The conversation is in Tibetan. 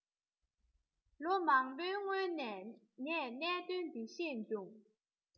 ལོ མང པོའི སྔོན ནས ངས གནད དོན དེ ཤེས བྱུང